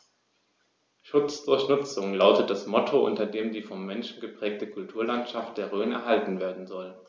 „Schutz durch Nutzung“ lautet das Motto, unter dem die vom Menschen geprägte Kulturlandschaft der Rhön erhalten werden soll.